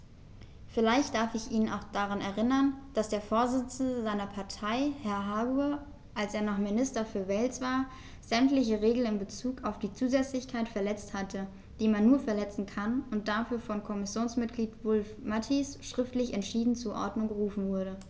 Vielleicht darf ich ihn auch daran erinnern, dass der Vorsitzende seiner Partei, Herr Hague, als er noch Minister für Wales war, sämtliche Regeln in bezug auf die Zusätzlichkeit verletzt hat, die man nur verletzen kann, und dafür von Kommissionsmitglied Wulf-Mathies schriftlich entschieden zur Ordnung gerufen wurde.